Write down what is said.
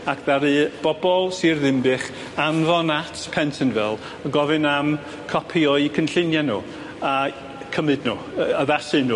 ac ddaru bobol Sir Ddinbych anfon at Pentonville yn gofyn am copi o'u cynllunie nw a cymyd nw yy addasu nw.